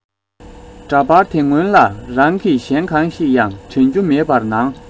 འདྲ པར དེ སྔོན ལ རང གི གཞན གང ཞིག ཡང དྲན རྒྱུ མེད པར ནང